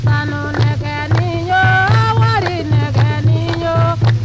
sanunɛgɛnin yo warinɛgɛnin yo